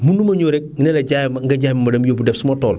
mënuma ñëw rek ne la jaay ma nga jaay ma ma dem yóbbu def suma tool